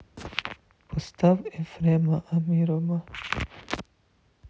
поставь ефрема амирамова